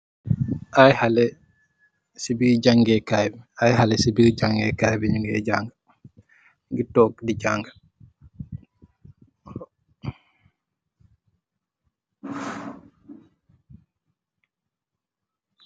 Ay hali si biir jangèè kai bi, ñungè janga, ñugi tóóg di janga.